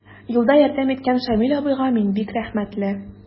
Юлда ярдәм иткән Шамил абыйга мин бик рәхмәтле.